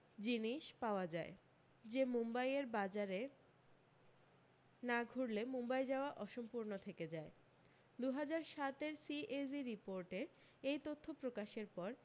জিনিস পাওয়া যায় যে মুম্বাই এর বাজারে না ঘুরলে মুম্বাই যাওয়া অসম্পূরণ থেকে যায় দু হাজার সাত এর সিএজি রিপোর্টে এই তথ্য প্রকাশের পর